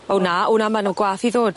O na o na ma' nw gwath i ddod.